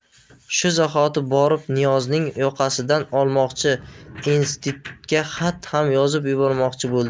shu zahoti borib niyozning yoqasidan olmoqchi institutga xat ham yozib yubormoqchi bo'ldi